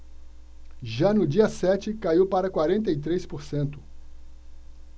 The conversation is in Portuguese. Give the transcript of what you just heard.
já no dia sete caiu para quarenta e três por cento